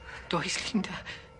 Does Linda?